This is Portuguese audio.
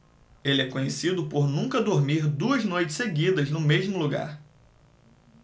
ele é conhecido por nunca dormir duas noites seguidas no mesmo lugar